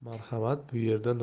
marhamat bu yerda